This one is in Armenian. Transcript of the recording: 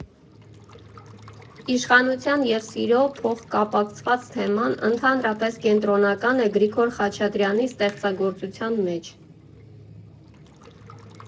«Իշխանության և սիրո փոխկապակցված թեման ընդհանրապես կենտրոնական է Գրիգոր Խաչատրյանի ստեղծագործության մեջ։